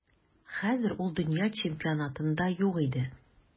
Хәзер ул дөнья чемпионатында юк иде.